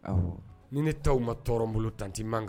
Ni ne taa ma tɔɔrɔ n bolo tanti man kan